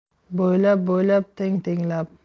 bo'y bo'ylab teng tenglab